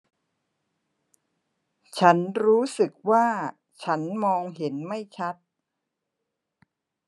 ฉันรู้สึกว่าฉันมองเห็นไม่ชัด